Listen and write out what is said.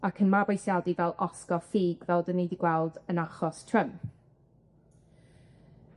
Ac yn mabwysiadu fel osgo ffug, fel 'dyn ni di gweld yn achos Trump.